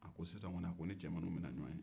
a ko sisan kɔni n ni cɛmannin bɛna ɲɔgɔn ye